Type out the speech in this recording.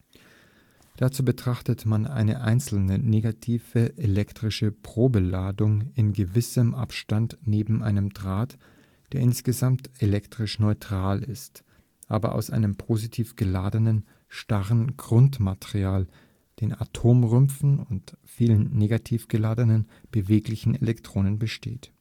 Dazu betrachtet man eine einzelne negative elektrische Probeladung in gewissem Abstand neben einem Draht, der insgesamt elektrisch neutral ist, aber aus einem positiv geladenen, starren Grundmaterial (den Atomrümpfen) und vielen negativ geladenen, beweglichen Elektronen besteht